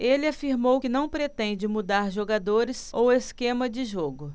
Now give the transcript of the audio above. ele afirmou que não pretende mudar jogadores ou esquema de jogo